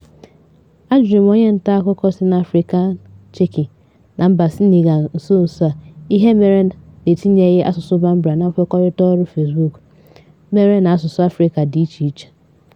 A jụrụ m onye nta akụkọ si n'Afrịka Chekị na mba Sịnịgal nso nso a ihe mere na etinyeghi asụsụ Bambara na nkwekọrịta ọrụ Fezbuk mere n'asụsụ Afrịka dị iche iche.